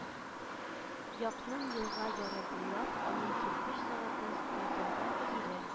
Якның елга яры буйлап аның кирпеч заводы, складлары, тире